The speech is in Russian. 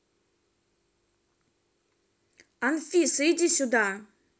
анфиса иди сюда